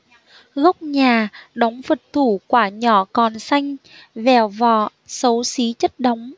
góc nhà đống phật thủ quả nhỏ còn xanh vẹo vọ xấu xí chất đống